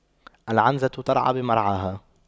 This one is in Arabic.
العنزة ترعى بمرعاها